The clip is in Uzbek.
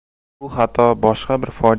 bu xato boshqa bir